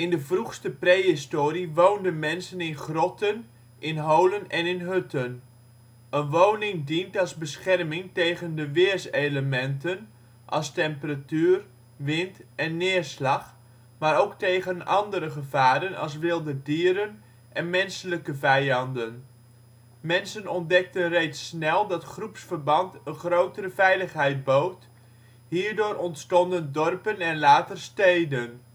de vroegste prehistorie woonden mensen in grotten, in holen en in hutten. Een woning dient als bescherming tegen de weerselementen als temperatuur, wind en neerslag, maar ook tegen andere gevaren als wilde dieren en menselijke vijanden. Mensen ontdekten reeds snel dat groepsverband een grotere veiligheid bood; hierdoor ontstonden dorpen en later steden